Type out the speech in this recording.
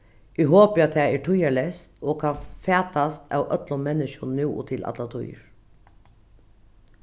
eg hopi at tað er tíðarleyst og kann fatast av øllum menniskjum nú og til allar tíðir